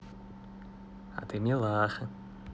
а ты милаха